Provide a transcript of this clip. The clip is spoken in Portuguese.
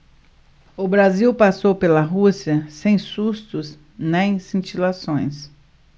o brasil passou pela rússia sem sustos nem cintilações